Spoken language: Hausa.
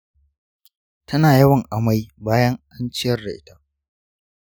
tana yawan amai bayan an ciyar da ita.